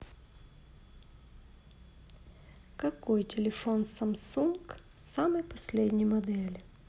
какой телефон самсунг самой последней модели